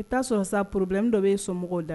I taa son san purbilɛ dɔ bɛ somɔgɔw da